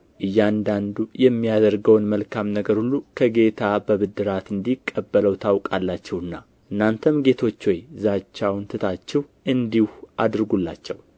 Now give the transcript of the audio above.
እያንዳንዱ የሚያደርገውን መልካም ነገር ሁሉ ከጌታ በብድራት እንዲቀበለው ታውቃላችሁና እናንተም ጌቶች ሆይ ዛቻውን ትታችሁ እንዲሁ አድርጉላቸው